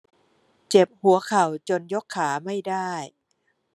เจ็บหัวเข่าจนยกขาไม่ได้